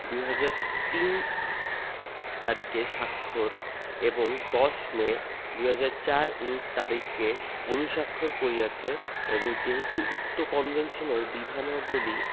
২০০৩ইং তারিখে স্বাক্ষর এবং ১০ মে ২০০৪ইং তারিখে অনুস্বাক্ষর করিয়অছে এবং যেহেতু উক্ত কনভেনশনের বিধানাবলী